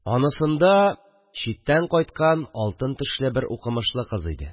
Анысында читтән кайткан алтын тешле бер укымышлы кыз иде